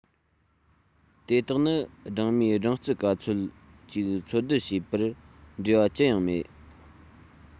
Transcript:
དེ དག ནི སྦྲང མས སྦྲང རྩི ག ཚོད ཅིག འཚོལ སྡུད བྱས པར འབྲེལ བ ཅི ཡང མེད